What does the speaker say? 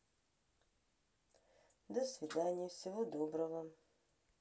до свидания всего доброго